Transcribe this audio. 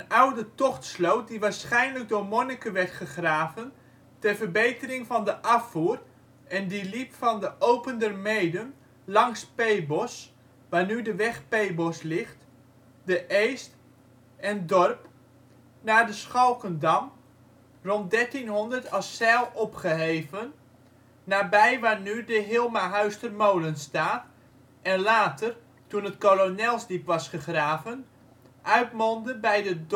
oude tochtsloot die waarschijnlijk door monniken werd gegraven ter verbetering van de afvoer en die liep van de Opender Meeden langs Peebos (waar nu de weg Peebos ligt), De Ees (t) en Dorp naar de Schalkendam (rond 1300 als ' zijl ' opgeheven, nabij waar nu de Hilmahuistermolen staat) en later (toen het Kolonelsdiep was gegraven) uitmondde bij de